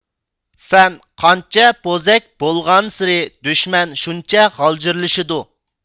سەن قانچە بوزەك بولغانسېرى دۈشمەن شۇنچە غالجىرلىشىدۇ